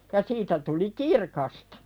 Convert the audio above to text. ja siitä tuli kirkasta